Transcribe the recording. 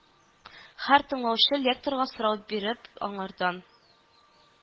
Һәр тыңлаучы лекторга сорау биреп, аңардан